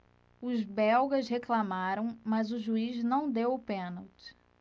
os belgas reclamaram mas o juiz não deu o pênalti